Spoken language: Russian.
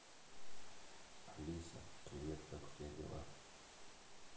алиса привет как у тебя дела